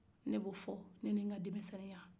ne b'o fɔ ne ni n ka denmisɛnniya